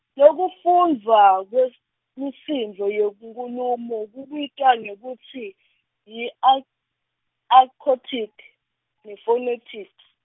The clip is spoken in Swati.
Lokufundvwa kews-, kwemisindvo yenkhulumo kubitwa ngekutsi yi-ac- accoutic nephonetics.